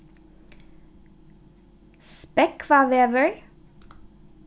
spógvavegur